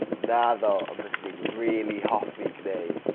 Naddo on byswn i'n rili hoffi gneud.